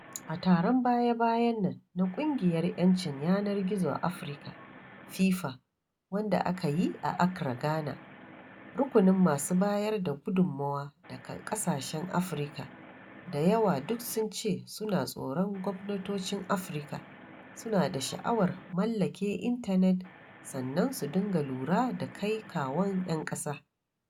A taron baya-bayan nan na ƙungiyar 'yancin yanar gizo a Afirka (FIFA) wanda aka yi a Accra, Ghana, rukunin masu bayar da gudummawa daga ƙasashen Afirka da yawa duk sun ce suna tsoron gwamnatocin Afirka suna da sha'awar mallake intanet sannan su dinga lura da kai-kawon 'yan ƙasa.